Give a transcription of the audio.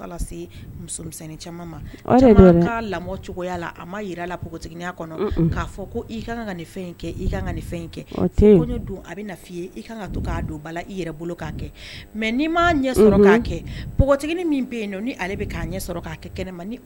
A ma jira latigiya kɔnɔ k'a fɔ i ka fɛn kɛ ka fɛn in kɛ a bɛ' i ye ka ka to'a don i yɛrɛ bolo'a kɛ mɛ n' ma ɲɛ' kɛ npogotigi min bɛ yen ɲɛ sɔrɔ kɛ kɛnɛ